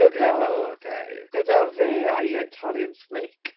gyda... Ok, oh ok ...gyda fe a'i Italian snake.